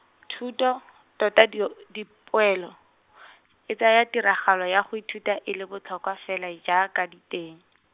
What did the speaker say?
thuto, tota di- dipoelo , e tsaya tiragalo ya go ithuta e le botlhokwa fela jaaka diteng.